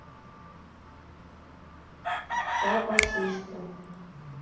папа шишка